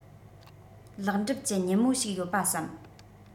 ལེགས གྲུབ གྱི ཉིན མོ ཞིག ཡོད པ བསམ